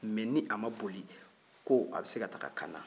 mɛ ni a ma boli ko a bɛ se ka taa kaana